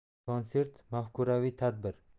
kontsert mafkuraviy tadbir